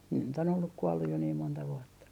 ne nyt on ollut kuollut jo niin monta vuotta